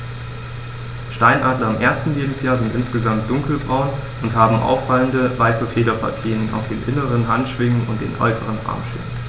Steinadler im ersten Lebensjahr sind insgesamt dunkler braun und haben auffallende, weiße Federpartien auf den inneren Handschwingen und den äußeren Armschwingen.